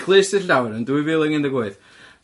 Clust i'r llawr yn dwy fil ag un deg wyth.